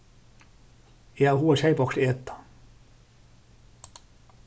eg havi hug at keypa okkurt at eta